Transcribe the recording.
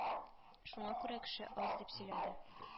Шуңа күрә кеше аз - дип сөйләде